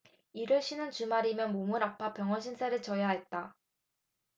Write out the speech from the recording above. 일을 쉬는 주말이면 몸이 아파 병원 신세를 져야 했다